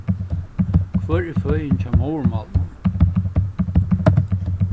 hvør er føðin hjá móðurmálinum